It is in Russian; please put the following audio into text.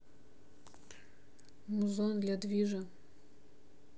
музон для движа